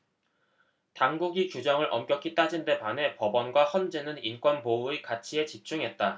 당국이 규정을 엄격히 따진 데 반해 법원과 헌재는 인권보호의 가치에 집중했다